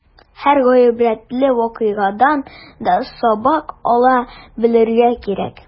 Һәр гыйбрәтле вакыйгадан да сабак ала белергә кирәк.